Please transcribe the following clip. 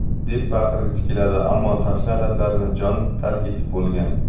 deb baqirgisi keladi ammo tashna lablarini jon tark etib bo'lgan